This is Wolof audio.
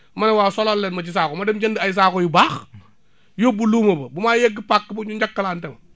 ma ne waaw solal leen ma ci saako ma dem jëndi ay saako yu baax yóbbu luuma ba bu may yegg pàkk ba ñu njëkkalante ma